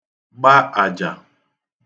gba àjà